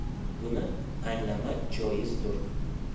buni anglamak joizdir